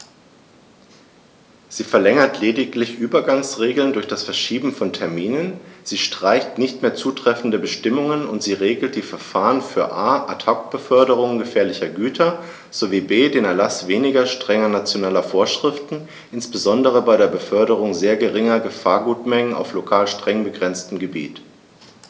Sie verlängert lediglich Übergangsregeln durch das Verschieben von Terminen, sie streicht nicht mehr zutreffende Bestimmungen, und sie regelt die Verfahren für a) Ad hoc-Beförderungen gefährlicher Güter sowie b) den Erlaß weniger strenger nationaler Vorschriften, insbesondere bei der Beförderung sehr geringer Gefahrgutmengen auf lokal streng begrenzten Gebieten.